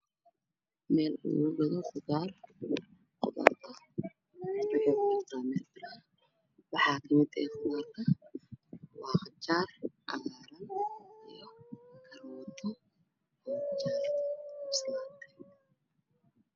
Waa meel yaallan qajaar ka si ay jaal waa khudaar ay ku jirtaa